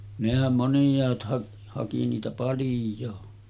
nehän moniaat - haki niitä paljon